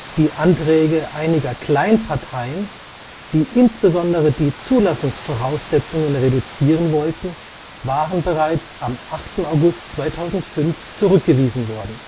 Die Anträge einiger Kleinparteien, die insbesondere die Zulassungsvoraussetzungen reduzieren wollten, waren bereits am 8. August 2005 zurückgewiesen worden